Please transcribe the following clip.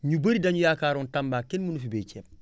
ñu bëri dañu yaakaaroon Tamba kenn mënu fi bay ceeb